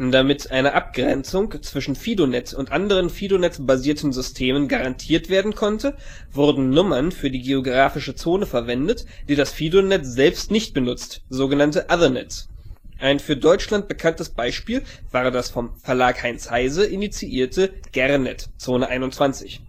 Damit eine Abgrenzung zwischen Fidonet und anderen Fidonet-basierten Systemen garantiert werden konnte, wurden Nummern für die geographische Zone verwendet, die das FidoNet selbst nicht benutzt (sog. Othernets). Ein für Deutschland bekanntes Beispiel war das vom Verlag Heinz Heise initiierte Gernet (Zone 21